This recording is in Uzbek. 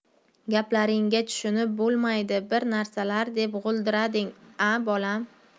gaplaringga tushunib bo'lmaydi bir narsalar deb g'o'ldirading a bolam